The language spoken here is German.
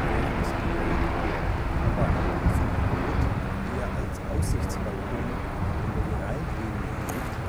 Während die Rietburg oberhalb von Rhodt eher als „ Aussichtsbalkon “über die Rheinebene dient,